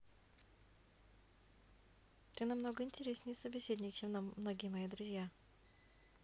ты намного интереснее собеседник чем многие мои друзья